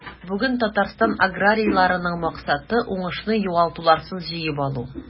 Бүген Татарстан аграрийларының максаты – уңышны югалтуларсыз җыеп алу.